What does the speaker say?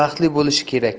baxtli bo'lishi kerak